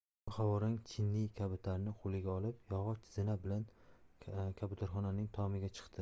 u havorang chiniy kabutarni qo'liga olib yog'och zina bilan kabutarxonaning tomiga chiqdi